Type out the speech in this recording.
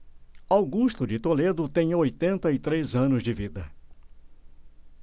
augusto de toledo tem oitenta e três anos de vida